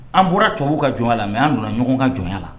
An bɔra tubabuw ka jɔnya la mɛ an donna ɲɔgɔn ka jɔnya la.